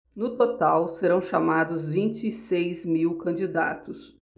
no total serão chamados vinte e seis mil candidatos